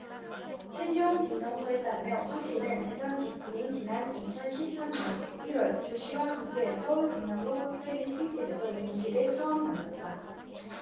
최지용진정서에 따르면 황씨는 대선 직후인 지난 이천 십 삼 년 일 월 조씨와 함께 서울 강남구 호텔 일식집에서 윤씨를 처음 만났다